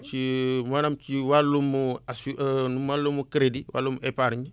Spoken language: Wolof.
ci maanaam ci wàllum assu wàllum crédit wàllum épargne